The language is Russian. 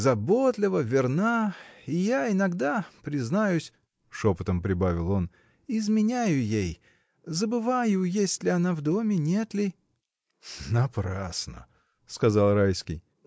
Заботлива, верна — и я иногда, признаюсь, — шепотом прибавил он, — изменяю ей, забываю, есть ли она в доме, нет ли. — Напрасно! — сказал Райский.